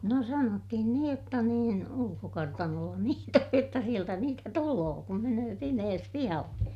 no sanottiin niin jotta niin ulkokartanolla niitä on jotta sieltä niitä tulee kun menee pimeässä pihalle